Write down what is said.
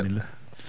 milla